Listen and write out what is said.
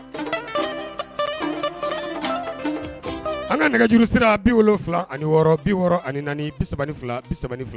An ka nɛgɛjuru sira bi fila ani wɔɔrɔ bi wɔɔrɔ ani bi fila fila